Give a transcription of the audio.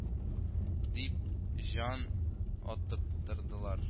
Дип, җан атып тордылар